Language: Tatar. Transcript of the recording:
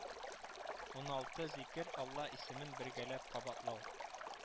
Уналты зикер алла исемен бергәләп кабатлау